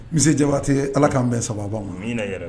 Misi jabatɛ ala k'an bɛn saba